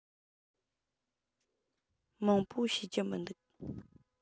མང པོ ཤེས ཀྱི མི འདུག